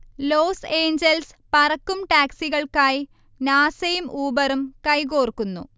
loss Angeles പറക്കും ടാക്സികൾക്കായി നാസയും ഊബറും കൈകോർക്കുന്നു